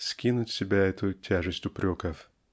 скинуть с себя эту тяжесть упреков.